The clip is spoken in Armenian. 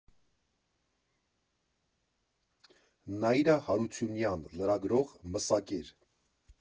Նաիրա Հարությունյան, լրագրող, մսակեր։